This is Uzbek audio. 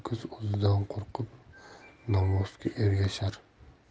qo'rqib novvosga ergashar